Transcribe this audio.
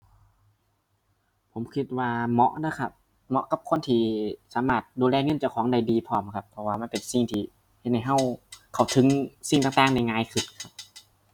ผมคิดว่าเหมาะนะครับ เหมาะกับคนที่สามารถดูแลเงินเจ้าของได้ดีพร้อมครับ เพราะว่ามันเป็นสิ่งที่เฮ็ดให้เราเข้าถึงสิ่งต่างต่างได้ง่ายขึ้น